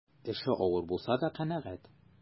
Эше авыр булса да канәгать.